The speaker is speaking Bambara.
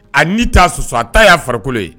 A ni ta soso a ta y'a farikolo ye